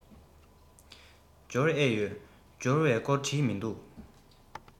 འབྱོར ཨེ ཡོད འབྱོར བའི སྐོར བྲིས མི འདུག